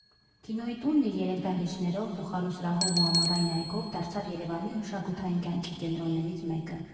Կինոյի տունն իր երեք դահլիճներով, Բուխարու սրահով ու ամառային այգով դարձավ Երևանի մշակութային կյանքի կենտրոններից մեկը.